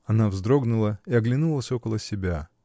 — Она вздрогнула и оглянулась около себя.